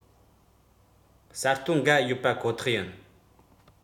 གསར གཏོད འགའ ཡོད པ ཁོ ཐག ཡིན